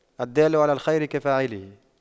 الدال على الخير كفاعله